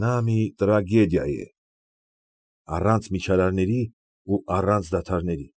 Նա մի տրագեդիա է առանց միջարարների ու առանց դադարների։